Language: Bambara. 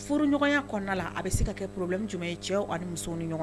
Furuɲɔgɔnya kɔnɔna a bɛ se ka kɛoro kulubali jumɛn ye cɛw ani muso ni ɲɔgɔn